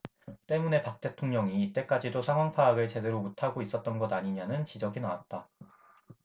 때문에 박 대통령이 이때까지도 상황 파악을 제대로 못하고 있었던 것 아니냐는 지적이 나왔다